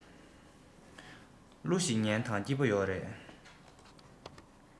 གླུ ཞིག ཉན དང སྐྱིད པོ ཡོད རེད